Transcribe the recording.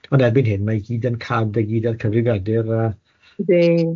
Ond erbyn hyn, mae gyd yn CAD a gyd ar cyfrifiadur a... Yndy...